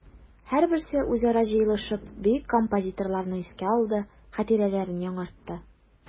Һәрберсе үзара җыелышып бөек композиторны искә алды, хатирәләрен яңартты.